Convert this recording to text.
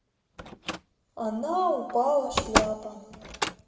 она упала шляпа